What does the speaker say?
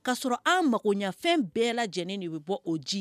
'a sɔrɔ an mako ɲɛfɛn bɛɛ la lajɛlen de bɛ bɔ oo ji